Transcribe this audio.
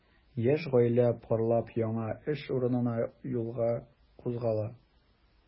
Яшь гаилә парлап яңа эш урынына юлга кузгала.